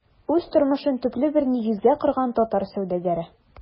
Үз тормышын төпле бер нигезгә корган татар сәүдәгәре.